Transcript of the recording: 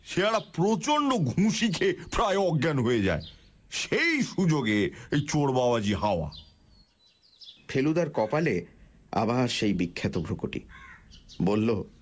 সে একটা প্রচণ্ড ঘুষি খেয়ে প্রায় অজ্ঞান হয়ে যায় সেই সুযোগে চোর বাবাজি হাওয়া ফেলুদার কপালে আবার সেই বিখ্যাত ভ্রুকুটি বলল